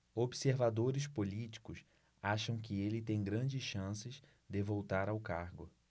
observadores políticos acham que ele tem grandes chances de voltar ao cargo